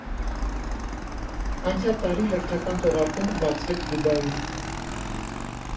Անցյալ տարի հերթական թողարկումը բացվեց Դուբայում։